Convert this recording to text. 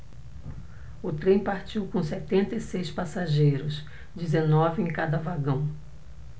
o trem partiu com setenta e seis passageiros dezenove em cada vagão